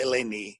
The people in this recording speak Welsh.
eleni